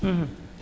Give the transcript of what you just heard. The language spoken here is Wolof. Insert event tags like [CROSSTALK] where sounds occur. [HESITATION] [HESITATION]